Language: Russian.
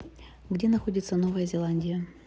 где находится новая зеландия